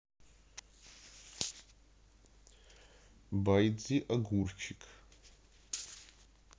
байдзи огурчик